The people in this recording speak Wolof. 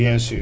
bien sûr